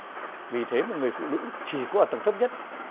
vì thế mà người phụ nữ chỉ có ở tầng thấp nhất